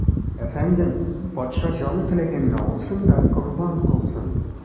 Әфәндем, патша, җаны теләгәнне алсын да корбан кылсын.